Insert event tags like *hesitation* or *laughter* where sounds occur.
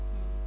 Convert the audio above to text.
*hesitation* *hesitation*